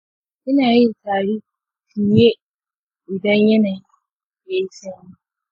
ina yin tari fiye idan yanayin ya yi sanyi.